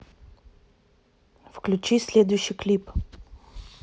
включи следующий клип